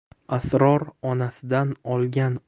asror onasidan olgan